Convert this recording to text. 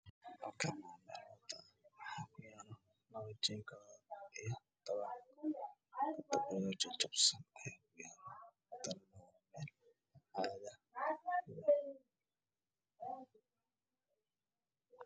Meeshaan waxaa iiga muuqda guri dhagax oo dedesan iyo gurigii dad ah